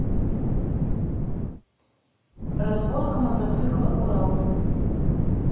разборка мотоцикла урал